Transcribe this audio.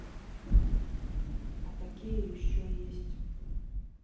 а какие еще есть